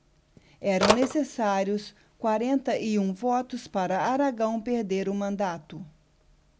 eram necessários quarenta e um votos para aragão perder o mandato